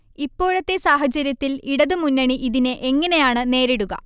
ഇപ്പോഴത്തെ സാഹചര്യത്തിൽ ഇടതുമുന്നണി ഇതിനെ എങ്ങനെയാണ് നേരിടുക